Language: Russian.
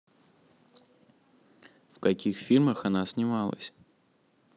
в каких фильмах она снималась